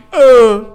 Euhhh